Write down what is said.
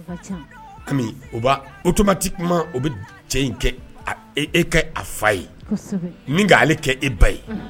Kabini o otomati kuma o bɛ cɛ in kɛ e ka a fa ye min ale kɛ e ba ye